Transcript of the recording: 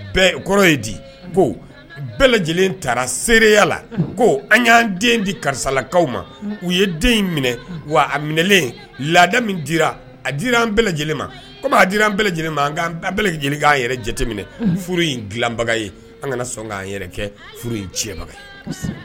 Bɛɛ kɔrɔ ye di ko bɛɛ lajɛlen taara seereya la ko an y'an den di karisalakaw ma u ye den in minɛ wa a minɛ la min di a dira an bɛɛ lajɛlen ma koa dira anan bɛɛ lajɛlen bɛɛ lajɛlen'an yɛrɛ jateminɛ furu in dilabaga ye an kana sɔn k'an yɛrɛ kɛ furu jɛba